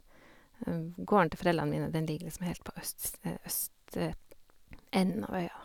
Gården til foreldrene mine, den ligger liksom helt på østs østenden av øya.